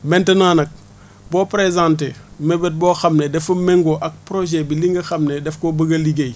maintenant nag boo présenter mébét boo xam ne dafa méngóo ak projet bi li nga xam ne daf koo bëgg a liggéey